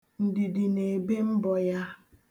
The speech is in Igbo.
Ndidi na-ebe mbọ ya.